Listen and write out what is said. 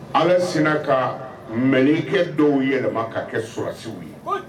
Ala sin ka mli kɛ dɔw yɛlɛma ka kɛ surasiw ye